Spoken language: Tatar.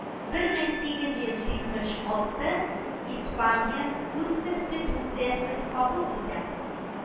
Бер мең сигез йөз җитмеш алты испания үз конституциясен кабул итә